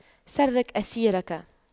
سرك أسيرك